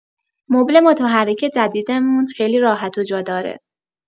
مبل متحرک جدیدمون خیلی راحت و جاداره.